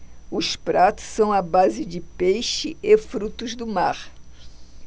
os pratos são à base de peixe e frutos do mar